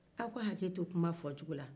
aw ka hakɛ to kuma fɔ cogola